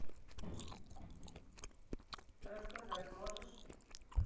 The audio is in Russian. рассказать можешь